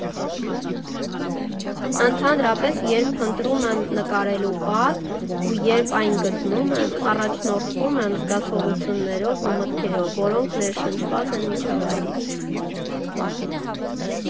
«Ընդհանրապես, երբ փնտրում եմ նկարելու պատ, ու, երբ այն գտնում եմ, առաջնորդվում եմ զգացողություններով ու մտքերով, որոնք ներշնչված են միջավայրից։